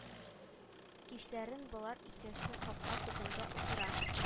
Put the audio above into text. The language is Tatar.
Кичләрен болар икесе капка төбендә утыра